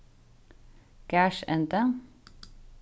garðsendi